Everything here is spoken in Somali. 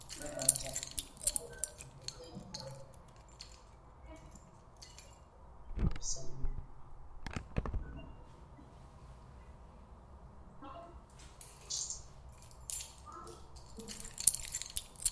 Waa katiino dahab ah